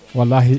walahi